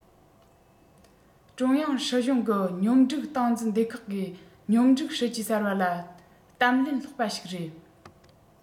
ཀྲུང དབྱང སྲིད གཞུང གི སྙོམས སྒྲིག སྟངས འཛིན སྡེ ཁག གིས སྙོམས སྒྲིག སྲིད ཇུས གསར པ ལ གཏམ ལན སློག པ ཞིག རེད